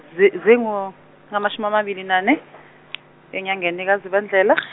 z- zingo, amashumi nane , enyangeni kaZibandlela.